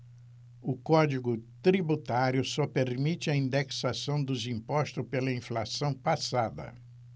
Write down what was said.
o código tributário só permite a indexação dos impostos pela inflação passada